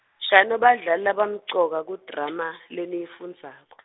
shano badlali labamcoka kudrama, leniyifundzako .